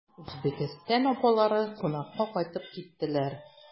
Үзбәкстаннан апалары кунакка кайтып киттеләр.